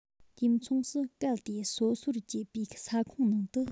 དུས མཚུངས སུ གལ ཏེ སོ སོར གྱེས པའི ས ཁོངས ནང དུ